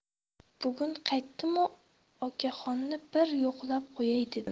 bugun qaytdimu okaxonni bir yo'qlab qo'yay dedim